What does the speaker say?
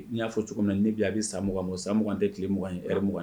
Ni y'a fɔ cogo min ne'i bi a bɛ sa mugan ma san mugan tɛ tile muganugan na